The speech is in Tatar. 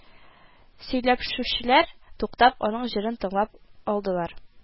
Сөйләпшүчеләр, туктап, аның җырын тыңлап алдылар